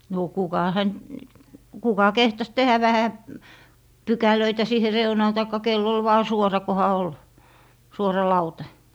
no kuka häntä kuka kehtasi tehdä vähän pykälöitä siihen reunaan tai kenellä oli vain suora kunhan oli suora lauta